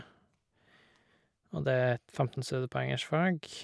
Og det er et femten studiepoengs fag.